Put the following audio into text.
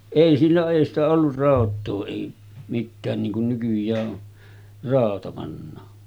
ei sillon ei sitä ollut rautaa ei mitään niin kuin nykyään on rauta pannaan